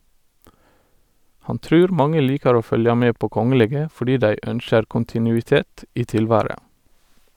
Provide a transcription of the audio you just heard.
Han trur mange likar å følgja med på kongelege fordi dei ønskjer kontinuitet i tilværet.